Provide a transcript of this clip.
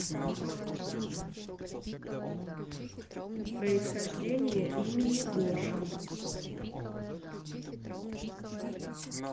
происхождение имени гоша